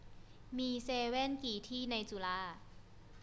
มีเซเว่นกี่ที่ในจุฬา